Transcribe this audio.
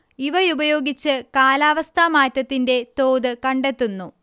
ഇവയുപയോഗിച്ച് കാലാവസ്ഥാ മാറ്റത്തിന്റെ തോത് കണ്ടെത്തുന്നു